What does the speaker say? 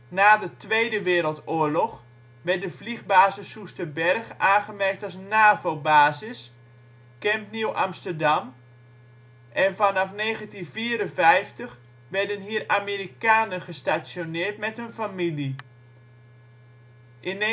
Na de Tweede Wereldoorlog werd de vliegbasis Soesterberg aangemerkt als NAVO-basis (Camp New Amsterdam), en vanaf 1954 werden hier Amerikanen gestationeerd met hun familie. In 1973